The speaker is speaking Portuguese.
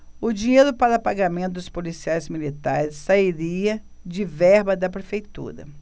o dinheiro para pagamento dos policiais militares sairia de verba da prefeitura